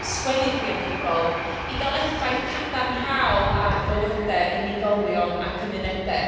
sgwennu creadigol, i gael effaith cadarnhaol ar fywydau, unigolion a cymunedau.